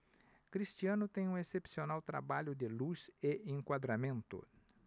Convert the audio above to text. cristiano tem um excepcional trabalho de luz e enquadramento